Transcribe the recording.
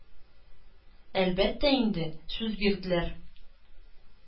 Әлбәттә инде, сүз бирделәр.